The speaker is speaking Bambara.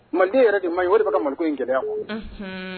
Maliden yɛrɛ de maɲi, o de bɛka Maliko in gɛlɛya, unhunn.